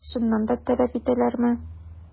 Чыннан да таләп итәләрме?